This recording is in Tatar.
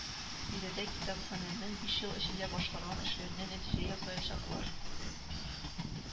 Биредә китапханәнең биш ел эчендә башкарган эшләренә нәтиҗә ясаячаклар